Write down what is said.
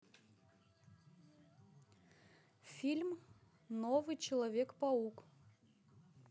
фильм новый человек паук